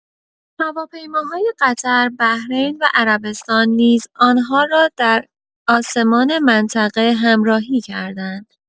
هواپیماهای قطر، بحرین و عربستان نیز آن‌ها را در آسمان منطقه همراهی کردند.